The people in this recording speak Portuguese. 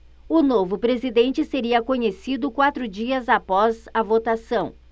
o novo presidente seria conhecido quatro dias após a votação